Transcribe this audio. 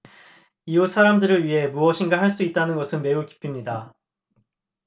이웃 사람들을 위해 무엇인가 할 수 있다는 것이 매우 기쁩니다